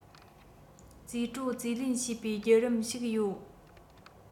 རྩིས སྤྲོད རྩིས ལེན བྱེད པའི བརྒྱུད རིམ ཞིག ཡོད